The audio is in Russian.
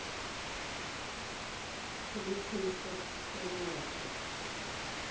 выключись ка ты нахуй